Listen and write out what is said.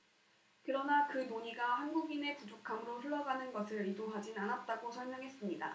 그러나 그 논의가 한국인의 부족함으로 흘러가는 것을 의도하진 않았다고 설명했습니다